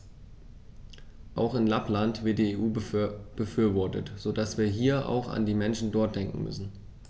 Auch in Lappland wird die EU befürwortet, so dass wir hier auch an die Menschen dort denken müssen.